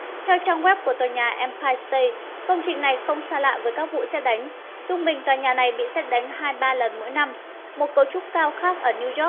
theo trang web của tòa nhà empire state công trình này không xa lạ với các vụ sét đánh trung bình tòa nhà này bị sét đánh lần mỗi năm một cấu trúc cao khác ở new york